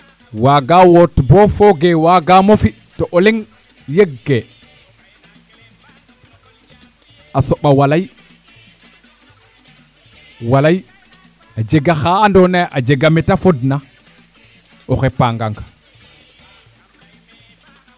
waaga woot bo fooge wagamo fi to o leng yeg ke a soɓa walay walay a jega xa ando naye a jega mete fod na o xey pangang